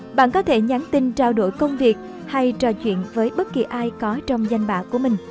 bạn có thể nhắn tin trao đổi công việc hay trò chuyện với bất kỳ ai có trong danh bạ của mình